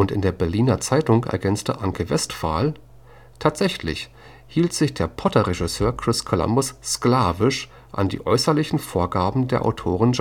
in der Berliner Zeitung ergänzte Anke Westphal: „ Tatsächlich hielt sich der ‚ Potter ‘- Regisseur Chris Columbus sklavisch an die äußerlichen Vorgaben der Autorin